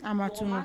An matuma